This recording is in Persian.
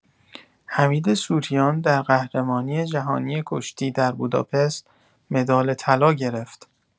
حمید سوریان در قهرمانی جهان کشتی در بوداپست مدال طلا گرفت.